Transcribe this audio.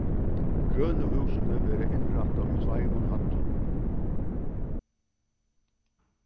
grønu húsini verða innrættað í tveimum hæddum